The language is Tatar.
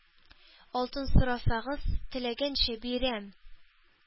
Алтын сорасагыз, теләгәнчә бирәм,